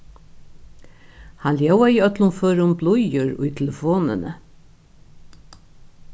hann ljóðaði í øllum førum blíður í telefonini